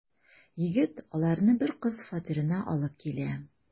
Егет аларны бер кыз фатирына алып килә.